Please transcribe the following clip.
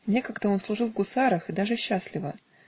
Некогда он служил в гусарах, и даже счастливо